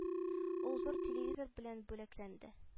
Ул зур телевизор белән бүләкләнде